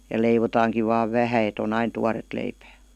ja leivotaankin vain vähän että on aina tuoretta leipää